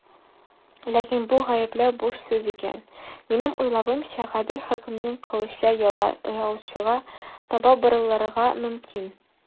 Ләкин бу гаепләү буш сүз икән, минем уйлавымча, гадел хөкемнең кылычы яла ягучыга таба борылырга мөмкин.